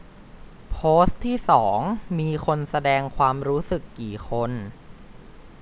โพสต์ที่สองมีคนแสดงความรู้สึกกี่คน